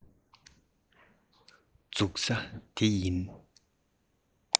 འཛུགས ས དེ ཡིན